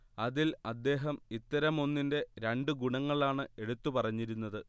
അതിൽ അദ്ദേഹം ഇത്തരം ഒന്നിന്റെ രണ്ട് ഗുണങ്ങളാണ് എടുത്തു പറഞ്ഞിരുന്നത്